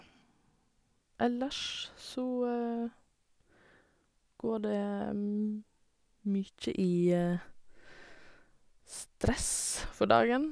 Ellers så går det m mye i stress for dagen.